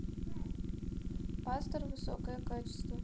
пастор высокое качество